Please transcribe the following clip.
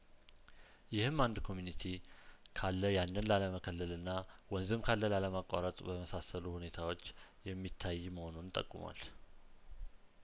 ይህም አንድ ኮሚኒቲ ካለያንን ላለመከለልና ወንዝም ካለላለማቋረጥ በመሳሰሉ ሁኔታዎች የሚታይመሆኑን ጠቁሟል